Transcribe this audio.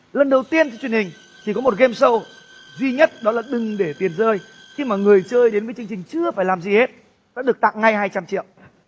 lần đầu tiên trên truyền hình chỉ có một ghêm sâu duy nhất đó là đừng để tiền rơi khi mọi người chơi đến với chương trình chưa phải làm gì hết vẫn được tặng ngay hai trăm triệu